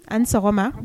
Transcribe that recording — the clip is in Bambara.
An sɔgɔma